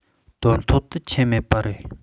དོན ཐོག ཏུ འཁྱོལ མེད པ རེད